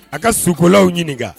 A ka sukolaw ɲininka